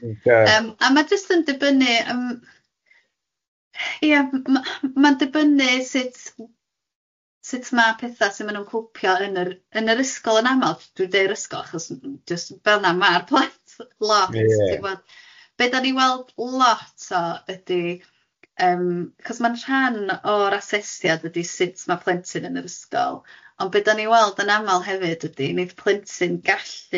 Ynde... yym a ma' jyst yn dibynnu yym ia ma ma'n dibynnu sut sut ma' petha sy ma nhw'n cwpio yn yr yn yr ysgol yn aml, dwi'n deud yr ysgol achos jyst fel na ma'r plant lot ti'n gwbod be dan ni'n weld lot o ydk, yym achos ma'n rhan o'r asesiad ydi sut ma' plentyn yn yr ysgol ond be dan ni'n weld yn aml hefyd ydi wneith plentyn gallu